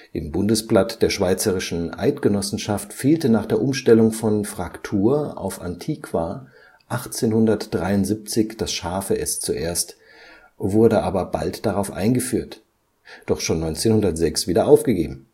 Im Bundesblatt der Schweizerischen Eidgenossenschaft fehlte nach der Umstellung von Fraktur auf Antiqua 1873 das ß zuerst, wurde aber bald darauf eingeführt, doch schon 1906 wieder aufgegeben